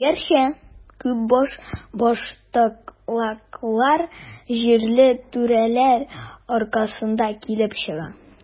Гәрчә, күп башбаштаклыклар җирле түрәләр аркасында килеп чыга.